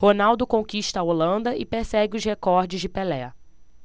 ronaldo conquista a holanda e persegue os recordes de pelé